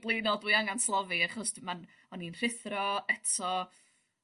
blino dwi angan slofi achos ma'n o'n i'n rhuthro eto